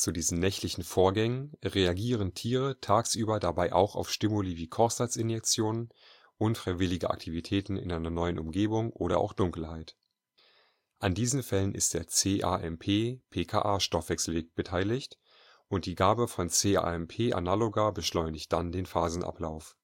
diesen nächtlichen Vorgängen reagieren Tiere tagsüber dabei auch auf Stimuli wie Kochsalzinjektionen, unfreiwillige Aktivitäten in einer neuen Umgebung, oder auch Dunkelheit. An diesen Fällen ist der cAMP/PKA-Stoffwechselweg beteiligt, und die Gabe von cAMP-Analoga beschleunigt dann den Phasenablauf